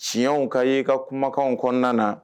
Tiɲɛw ka y'i ka kumakan kɔnɔna na